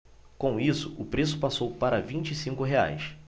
com isso o preço passou para vinte e cinco reais